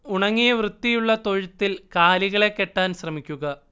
ഉണങ്ങിയ വൃത്തിയുള്ള തൊഴുത്തിൽ കാലികളെ കെട്ടാൻ ശ്രമിക്കുക